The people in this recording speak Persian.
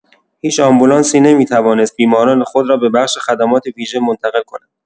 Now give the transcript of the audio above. هیچ آمبولانسی نمی‌توانست بیماران خود را به بخش خدمات ویژه منتقل کند.